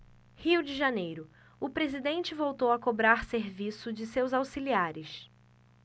rio de janeiro o presidente voltou a cobrar serviço de seus auxiliares